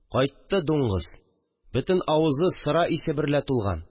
Кайтты, дуңгыз, бөтен авызы сыра исе берлә тулган